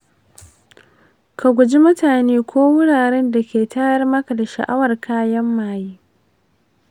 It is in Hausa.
ka guji mutane ko wuraren da ke tayar maka da sha’awar kayan maye.